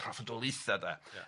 Proffedolaetha de ia.